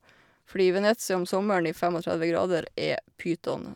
Fordi Venezia om sommeren i fem og tredve grader er pyton.